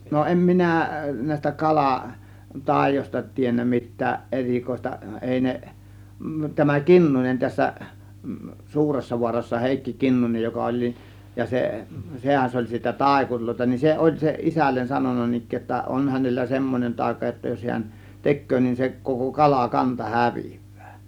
no en minä näistä kala taioista tiennyt mitään erikoista ei ne tämä Kinnunen tässä Suuressavaarassa Heikki Kinnunen joka oli niin ja se sehän se ol siitä taikureita niin se oli se isälle sanonut niin ikään jotta on hänellä semmoinen taika jotta jos hän tekee niin se koko - kalakanta häviää